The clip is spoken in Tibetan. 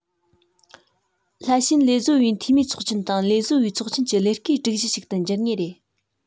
སླད ཕྱིན ལས བཟོ པའི འཐུས མིའི ཚོགས ཆེན དང ལས བཟོ པའི ཚོགས ཆེན གྱི ལས ཀའི སྒྲིག གཞི ཞིག ཏུ འགྱུར ངེས རེད